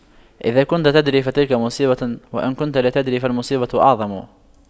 إذا كنت تدري فتلك مصيبة وإن كنت لا تدري فالمصيبة أعظم